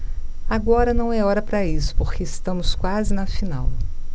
agora não é hora para isso porque estamos quase na final